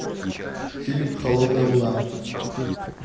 фильм холодная луна